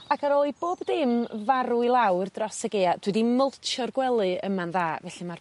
Ac ar ôl i bob dim farw i lawr dros y Gaea dwi 'di multsio'r gwely yma'n dda felly ma'r